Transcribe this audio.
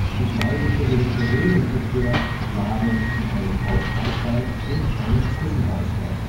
Die Gleise für den Personenverkehr lag an einem Hausbahnsteig und einem Zwischenbahnsteig